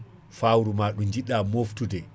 fawru ma ɗo jidɗa moftude